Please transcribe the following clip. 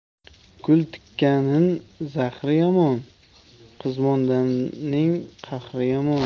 gul tikanin zahri yomon qizmondaning qahri yomon